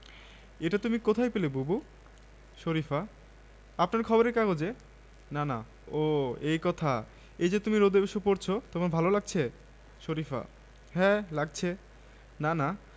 এটা তুমি কোথায় পেলে বুবু শরিফা আপনার খবরের কাগজে নানা ও এই কথা এই যে তুমি রোদে বসে পড়ছ তোমার ভালো লাগছে শরিফা হ্যাঁ লাগছে নানা